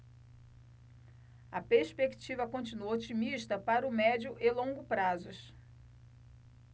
a perspectiva continua otimista para o médio e longo prazos